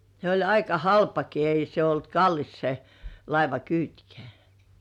se oli aika halpakin ei se ollut kallis se laivakyytkään